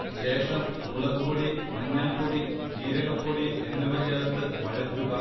ശേഷം മുളക്പൊടി, മഞ്ഞൾപ്പൊടി, ജീരകപ്പൊടി എന്നിവ ചേർത്ത് വഴറ്റുക